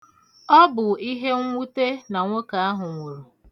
Ọ bụ ihe nnwute na nwoke ahụ nwụrụ.